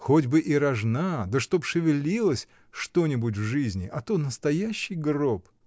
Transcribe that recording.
— Хоть бы и рожна, да чтоб шевелилось что-нибудь в жизни, а то — настоящий гроб!